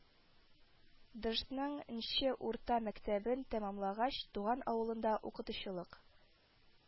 Дышның нче урта мәктәбен тәмамлагач, туган авылында укытучылык